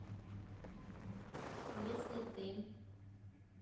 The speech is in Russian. если ты